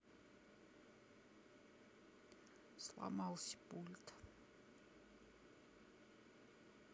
сломался пульт